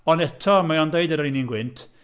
Ond eto, mae o'n dweud yn yr un un gwynt...